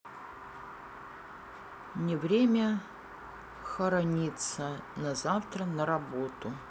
мне время хорониться на завтра на работу